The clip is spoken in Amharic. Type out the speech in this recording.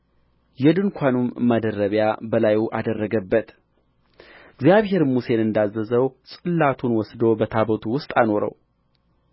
የድንኳኑን መደረቢያ በላዩ አደረገበት እግዚአብሔርም ሙሴን እንዳዘዘው ጽላቱን ወስዶ በታቦቱ ውስጥ አኖረው